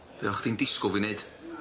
Be' o' chdi'n disgwl fi neud?